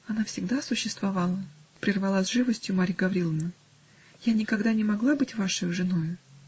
"-- "Она всегда существовала, -- прервала с живостию Марья Гавриловна, -- я никогда не могла быть вашею женою.